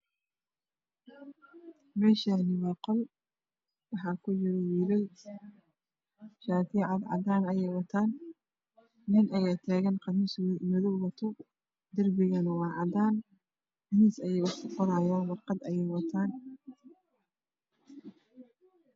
Meeshaani waa qol waxaa ku jira wiilal. Shaatiyo cad cadaan ayay wataan nin ayaa taagan qamiis madow wato darbigana waa cadaan miis ayay wax ku qoraayaan warqad ayay wataan.